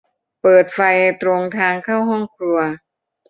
เปิดไฟตรงทางเข้าห้องครัว